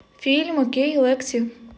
фильм окей лекси